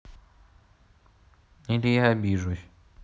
или я обижусь